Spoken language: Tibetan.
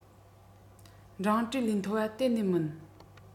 འབྲིང གྲས ལས མཐོ བ གཏན ནས མིན